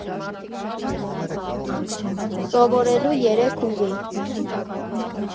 Սովորելու երեք ուղի։